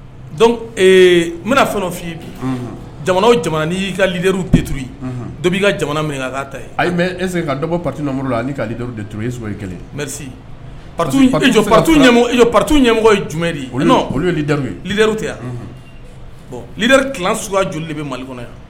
N bɛna fɛn o f fɔ i ye bi jamana jamana n y'i ka lirriw deto dɔ b'i ka jamana min'a ta ayi ese ka dɔgɔ patimo la a ni'di deto i ye sɔrɔ i kelenri jɔtu ɲɛmɔgɔ ye jumɛn nɔn olu yeli dawu ye dirw tɛ yan bɔn lire kis joli de bɛ mali kɔnɔ yan